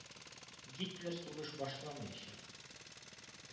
Гитлер сугыш башламаячак,